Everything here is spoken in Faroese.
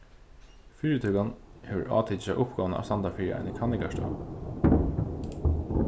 fyritøkan hevur átikið sær uppgávuna at standa fyri eini kanningarstøð